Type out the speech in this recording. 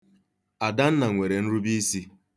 Adanna nwere nrubiisi.